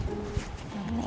chẳng